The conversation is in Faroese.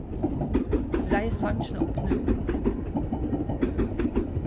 reið songina upp nú